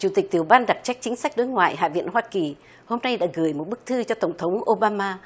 chủ tịch tiểu ban đặc trách chính sách đối ngoại hạ viện hoa kỳ hôm nay đã gửi một bức thư cho tổng thống ô ba ma